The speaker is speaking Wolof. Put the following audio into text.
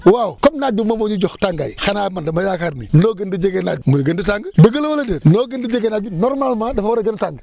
waaw comme naaj bi moom moo ñuy jox tàngaay xanaa man damay yaakaar ni noo gën di jege naaj muy gën di tàng dëgg la wala déet noo gën di jege naaj normalement dafa war a gën a tàng